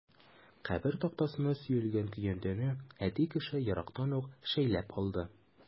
Кабер тактасына сөялгән көянтәне әти кеше ерактан ук шәйләп алды.